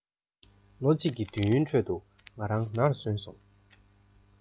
ལོ གཅིག གི དུས ཡུན ཁྲོད དུ ང རང ནར སོན སོང